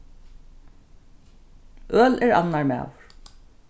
øl er annar maður